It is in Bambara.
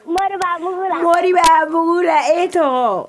Mori bugu la mori bɛ bugu la e sɔn